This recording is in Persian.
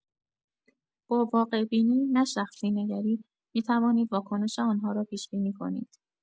با واقع‌بینی، نه شخصی‌نگری، می‌توانید واکنش آن‌ها را پیش‌بینی کنید.